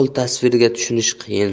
xil tasviriga tushunish qiyin